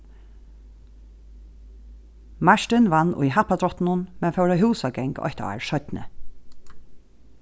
martin vann í happadráttinum men fór á húsagang eitt ár seinni